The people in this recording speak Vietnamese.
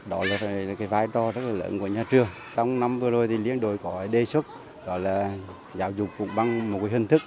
đó là vai trò rất lớn của nhà trường trong năm vừa rồi thì liên đội gọi đề xuất đó là giáo dục cũng bằng một hình thức